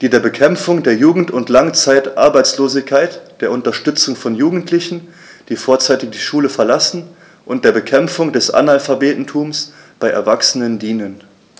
die der Bekämpfung der Jugend- und Langzeitarbeitslosigkeit, der Unterstützung von Jugendlichen, die vorzeitig die Schule verlassen, und der Bekämpfung des Analphabetentums bei Erwachsenen dienen.